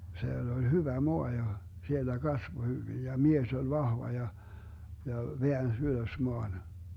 siellä oli hyvä maa ja siellä kasvoi hyvin ja mies oli vahva ja ja väänsi ylös maan